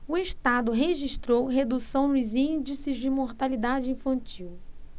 o estado registrou redução nos índices de mortalidade infantil